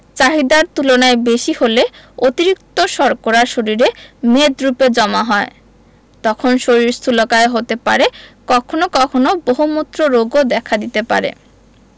চাহিদার তুলনায় বেশি হলে অতিরিক্ত শর্করা শরীরে মেদরুপে জমা হয় তখন শরীর স্থুলকায় হতে পারে কখনো কখনো বহুমূত্র রোগও দেখা দিতে পারে